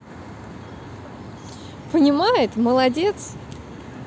понимает молодец